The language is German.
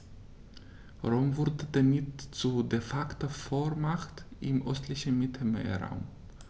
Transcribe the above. Rom wurde damit zur ‚De-Facto-Vormacht‘ im östlichen Mittelmeerraum.